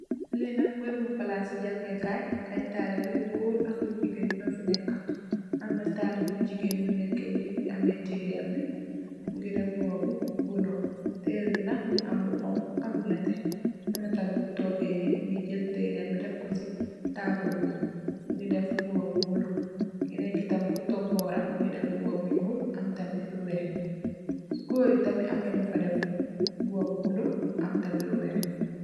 Lii nak berabu palaasi jangekaay la, ay talibe yu goor ak yu jigeen nyo fi nekk, amna talibe bu jigeen bu nekke ni, mingi ame teere bi, mingi def mbubu bu bula, teere bi nak mingi am lu xonxu, am lu nete, amna tamit ku tooge ni, mingi jal teere bi def ko si taabul bi, mingi def mbuba bu bula, keneen ki tamit ku toog booram, mingi def mbubam bu nyuul, am tamit lu weex, si goor yi tamit mingi def mbuba bu bula am tamit lu weex.